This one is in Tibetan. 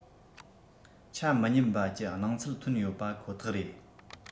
ཆ མི མཉམ པ ཀྱི སྣང ཚུལ ཐོན ཡོད པ རེད ཁོ ཐག ཡིན